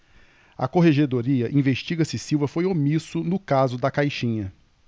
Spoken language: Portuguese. a corregedoria investiga se silva foi omisso no caso da caixinha